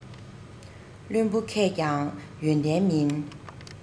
བླུན པོ མཁས ཀྱང ཡོན ཏན མིན